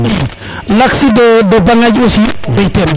l' axe de Mbagange aussi owey ten